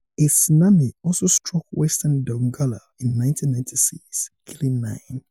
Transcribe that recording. A tsunami also struck western Donggala in 1996, killing nine.